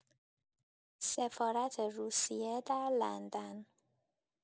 سفارت روسیه در لندن